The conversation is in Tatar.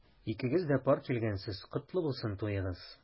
Икегез дә пар килгәнсез— котлы булсын туегыз!